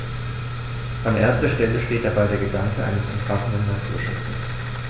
An erster Stelle steht dabei der Gedanke eines umfassenden Naturschutzes.